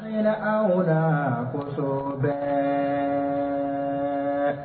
Miniyan wula la ko bɛ